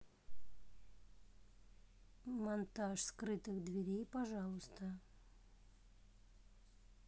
монтаж скрытых дверей пожалуйста